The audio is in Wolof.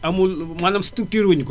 amul maanaam structuré wu ñu ko